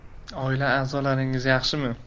oila a'zolaringiz yaxshimi